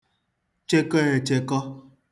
chekọ echekọ